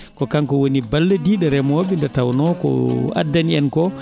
ko kanko woni ballodiiɗo remooɓe nde tawnoo ko o addani en koo